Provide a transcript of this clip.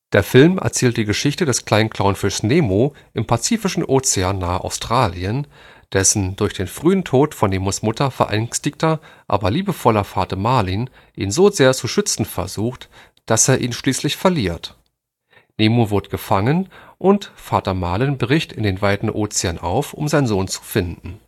Der Film erzählt die Geschichte des kleinen Clownfischs Nemo im Pazifischen Ozean nahe Australien, dessen durch den frühen Tod von Nemos Mutter verängstigter, aber liebevoller Vater Marlin ihn so sehr zu schützen versucht, dass er ihn schließlich verliert. Nemo wird gefangen und Vater Marlin bricht in den weiten Ozean auf, um seinen Sohn zu finden